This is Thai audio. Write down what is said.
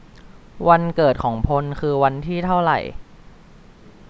วันเกิดของพลคือวันที่เท่าไร